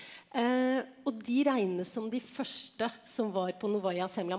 og de regnes som de første som var på Novaya Zemlya.